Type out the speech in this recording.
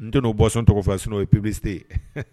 N tɛ n'o boisson tɔgɔ f'a o ye sinon oye publicité ye.